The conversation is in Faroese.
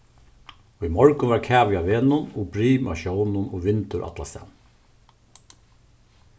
í morgun var kavi á vegnum og brim á sjónum og vindur allastaðni